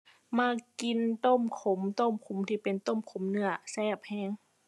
มักกินต้มขมต้มขมที่เป็นต้มขมเนื้อแซ่บแรง